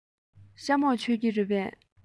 ཤ མོག མཆོད ཀྱི རེད པས